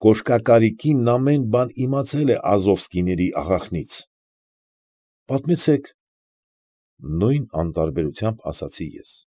Կոշկակարի կինն ամեն բան իմացել է Ազովսկիների աղախինից։ ֊ Պատմեցեք, ֊ նույն անտարբերությամբ ասացի ես։